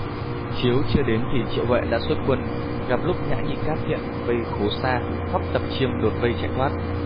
chiếu chưa đến thì triệu huệ đã xuất quân gặp lúc nhã nhĩ cáp thiện vây khố xa hoắc tập chiêm đột vây chạy thoát